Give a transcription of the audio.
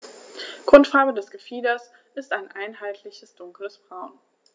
Grundfarbe des Gefieders ist ein einheitliches dunkles Braun.